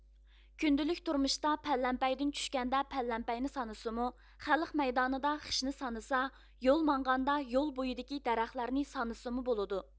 كۈندىلىك تۇرمۇشتا پەلەمپەيدىن چۈشكەندە پەلەمپەينى سانىسىمۇ خەلق مەيدانىدا خىشنى سانىسا يول ماڭغاندا يول بويىدىكى دەرەخلەرنى سانىسىمۇ بولىدۇ